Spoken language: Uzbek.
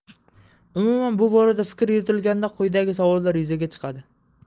umuman bu borada fikr yuritilganda quyidagi savollar yuzaga chiqadi